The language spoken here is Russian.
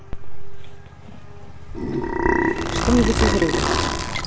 что нибудь из рыбы